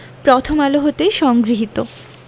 প্রথম আলো হতে সংগৃহীত